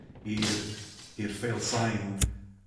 i'r i'r ffeil sain